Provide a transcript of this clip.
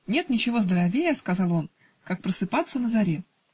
"Нет ничего здоровее, -- сказал он, -- как просыпаться на заре".